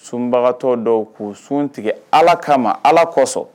Sunbagatɔ dɔw' suntigi ala kama ala kosɔn